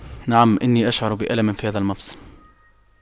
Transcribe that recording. نعم إني اشعر بألم في هذا المفصل